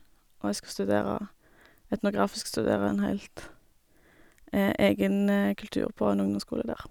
Og jeg skal studere etnografisk studere en heilt egen kultur på en ungdomsskole der.